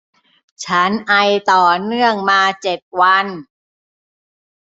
ฉันไอต่อเนื่องมาเจ็ดวัน